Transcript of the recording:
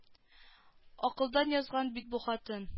Акылдан язган бит бу хатын